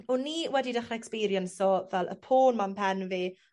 o'n i wedi dechre ecsperienso fel y pon ma' yn pen fi